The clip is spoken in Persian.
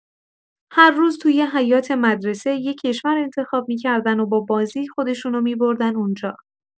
هر روز توی حیاط مدرسه، یه کشور انتخاب می‌کردن و با بازی خودشونو می‌بردن اونجا.